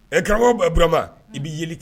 Ɛ karamɔgɔ baurama i bɛ yeli kɛ